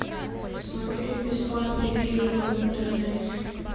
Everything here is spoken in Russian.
смотреть бесплатные фильмы в интернете